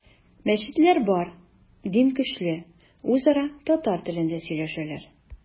Мәчетләр бар, дин көчле, үзара татар телендә сөйләшәләр.